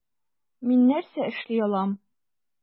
Мин нәрсә эшли алам?